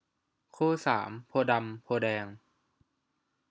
คู่สามโพธิ์ดำโพธิ์แดง